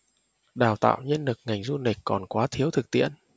đào tạo nhân lực ngành du lịch còn quá thiếu thực tiễn